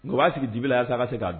O b'a sigi dibila la yansa ka se k'